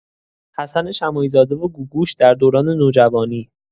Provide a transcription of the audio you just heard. حسن شماعی زاده و گوگوش در دوران نوجوانی